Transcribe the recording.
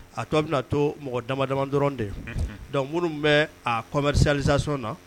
A tɔ bɛna to mɔgɔ damaja dɔrɔn de dɔnkuc minnu bɛ a kɔnmɛrizalizson na